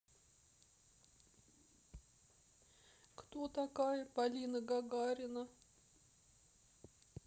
кто такая полина гагарина